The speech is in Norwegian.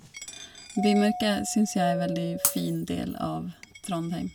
Bymarka syns jeg er veldig fin del av Trondheim.